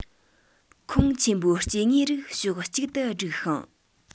ཁོངས ཆེན པོའི སྐྱེ དངོས རིགས ཕྱོགས གཅིག ཏུ བསྒྲིགས ཤིང